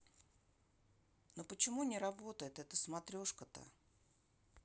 но почему не работает эта смотрешка то